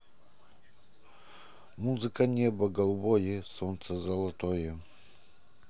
музыка небо голубое солнце золотое